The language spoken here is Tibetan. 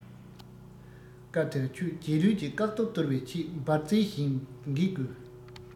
སྐབས དེར ཁྱོད རྗེས ལུས ཀྱི བཀག རྡོ གཏོར བའི ཆེད འབར རྫས བཞིན འགད དགོས